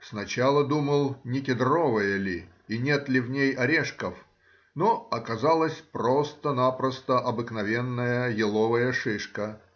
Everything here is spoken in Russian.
Сначала думал, не кедровая ли и нет ли в ней орешков, но оказалось просто-напросто обыкновенная еловая шишка.